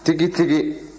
tigitigi